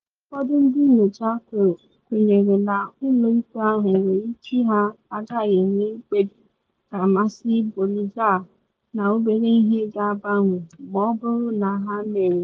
Mana ụfọdụ ndị nyocha kwenyere na ụlọ ikpe ahụ nwere ike ha agaghị enye mkpebi ga-amasị Bolivia - na obere ihe ga-agbanwe ma ọ bụrụ na ha mere.